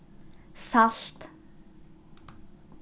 salt